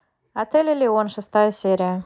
отель элеон шестая серия